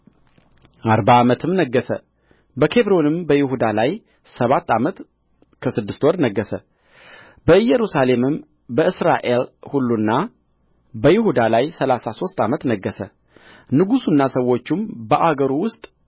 አርባ ዓመትም ነገሠ በኬብሮን በይሁዳ ላይ ሰባት ዓመት ከስድስት ወር ነገሠ በኢየሩሳሌምም በእስራኤል ሁሉና በይሁዳ ላይ ሠላሳ ሦስት ዓመት ነገሠ ንጉሡና ሰዎቹም በአገሩ ውስጥ